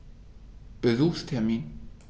Besuchstermin